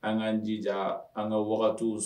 An kaan jija an ka wagatiw